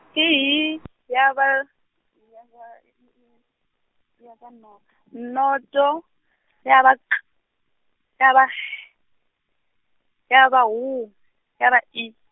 ke Y, ya ba , noto, ya ba K, ya ba G, ya ba W, ya ba I.